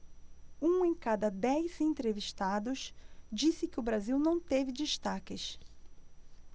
um em cada dez entrevistados disse que o brasil não teve destaques